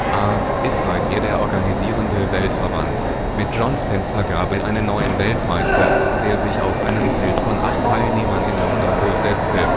WPBSA) ist seither der organisierende Weltverband. Mit John Spencer gab es einen neuen Weltmeister, der sich aus einem Feld von acht Teilnehmern in London durchsetzte